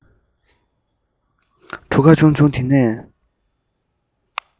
གྲུ ག ཆུང ཆུང འདི ནས